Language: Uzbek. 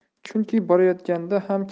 chunki borayotganda ham